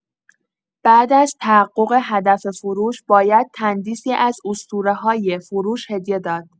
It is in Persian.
بعد از تحقق هدف فروش، باید تندیسی از اسطوره‌های فروش هدیه داد.